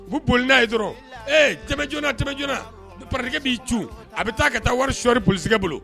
U boli'a ye ee cɛj joonana pa b'i c a bɛ taa ka taa wari siɔriri polisegɛ bolo